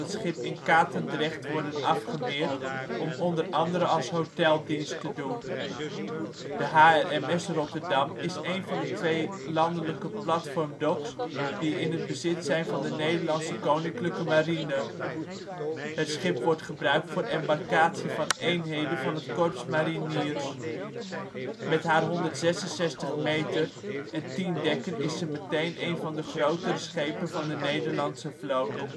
schip in Katendrecht worden afgemeerd om onder andere als hotel dienst te doen. De Hr.Ms. Rotterdam is 1 van de 2 LPD 's (Landing platform dock) die in het bezit zijn van de Nederlandse Koninklijke Marine. Het schip wordt gebruikt voor embarkatie van eenheden van het Korps Mariniers. Met haar 166 meter en 10 dekken is ze meteen een van de grotere schepen van de Nederlandse vloot